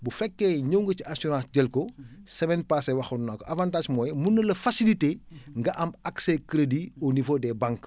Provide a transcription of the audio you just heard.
bu fekkee ñëw nga ci assurance jël ko semaine passée waxoon naa ko avantage mooy mun na la faciliter nga am accès crédit au niveau des banques